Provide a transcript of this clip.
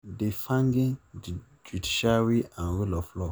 De-fanging the judiciary and rule of law